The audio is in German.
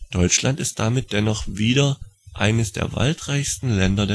Deutschland ist damit dennoch wieder eines der waldreichsten Länder